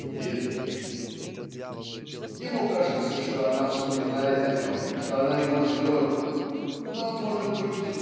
где ты?" Ему кажется, что она вспоминает о нем, что она его ждет, но может быть